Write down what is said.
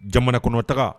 Jamana kɔnɔ taga